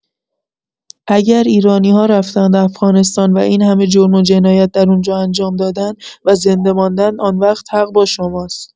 اگر ایرانی‌‌ها رفتند افغانستان و این همه جرم و جنایت در اونجا انجام دادند و زنده ماندند آنوقت حق با شماست